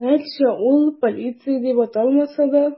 Гәрчә ул полиция дип аталмаса да.